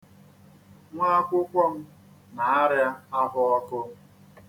Nwa akwụkwọ m na-arịa ahụọkụ.